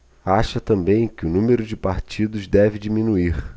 acha também que o número de partidos deve diminuir